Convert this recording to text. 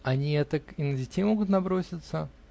Они этак и на детей могут броситься.